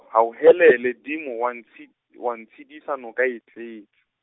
hauhelele Dimo wa ntshe-, wa ntshedisa noka e tletse.